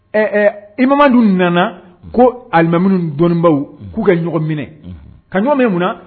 Ɛ i ma madu nana ko alima dɔnnibaw k'u kɛ ɲɔgɔn minɛ ka ɲɔ mɛn mun